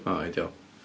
O, ideal.